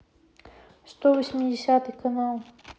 сто восьмидесятый канал